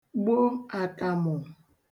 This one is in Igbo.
gbo àkàmụ̀